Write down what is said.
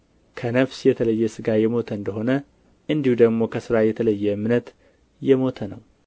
ከነፍስ የተለየ ሥጋ የሞተ እንደ ሆነ እንዲሁ ደግሞ ከሥራ የተለየ እምነት የሞተ ነው